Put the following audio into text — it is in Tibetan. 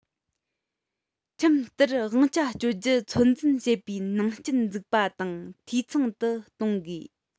ཁྲིམས ལྟར དབང ཆ སྤྱོད རྒྱུར ཚོད འཛིན བྱེད པའི ནང རྐྱེན འཛུགས པ དང འཐུས ཚང དུ གཏོང དགོས